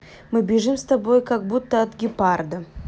мы бежим с тобой ко как будто от гепарда